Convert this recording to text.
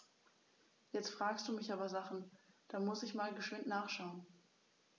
Jetzt fragst du mich aber Sachen. Da muss ich mal geschwind nachschauen.